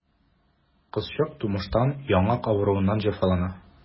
Кызчык тумыштан яңак авыруыннан җәфалана.